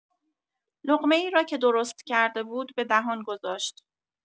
لقمه‌ای را که درست کرده بود به دهان گذاشت.